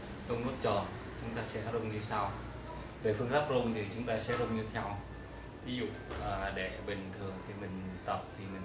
rung nốt tròn chúng ta sẽ rung như sau về phương pháp thì sẽ rung như sau ví dụ bình thường thì mình